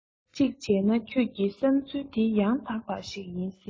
གཅིག བྱས ན ཁྱོད ཀྱི བསམས ཚུལ དེ ཡང དག པ ཞིག ཡིན སྲིད